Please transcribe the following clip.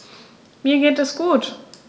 Mir geht es gut.